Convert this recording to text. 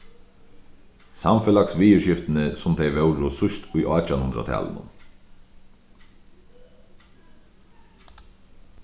samfelagsviðurskiftini sum tey vóru síðst í átjanhundraðtalinum